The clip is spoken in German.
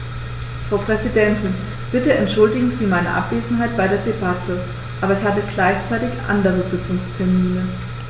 Frau Präsidentin, bitte entschuldigen Sie meine Abwesenheit bei der Debatte, aber ich hatte gleichzeitig andere Sitzungstermine.